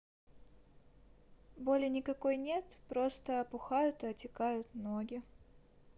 боли нет никакой просто опухают отекают ноги